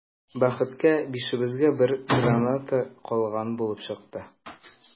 Бәхеткә, бишебезгә бер граната калган булып чыкты.